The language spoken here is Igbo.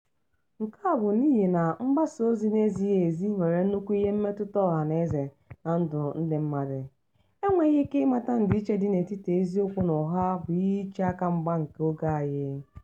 Nke a bụ n'ịhị na mgbasaozi n'ezighị ezi nwere nnukwu ihe mmetụta ọhanaeze na ndụ ndị mmadụ; enweghị ike ịmata ndịiche dị n'etiti eziokwu na ụgha bụ ihe iche akamgba nke oge anyị.